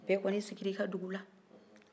bɛɛ kɔni siginr'i ka dugu la